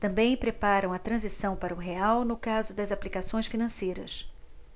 também preparam a transição para o real no caso das aplicações financeiras